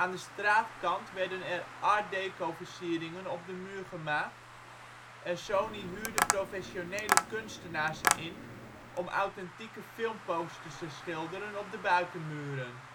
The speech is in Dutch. de straatkant werden er art-deco-versieringen op de muur gemaakt en Sony huurde professionele kunstenaars in om authentieke filmposters te schilderen op de buitenmuren